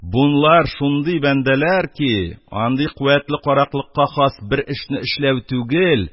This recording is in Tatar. Бунлар шундый бәндәләр ки, андый куәтле караклыкка хас бер эшне эшләү түгел,